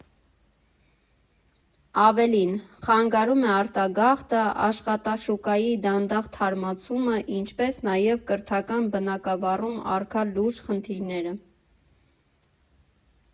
Ավելին, խանգարում է արտագաղթը, աշխատաշուկայի դանդաղ թարմացումը, ինչպես նաև կրթական բնագավառում առկա լուրջ խնդիրները։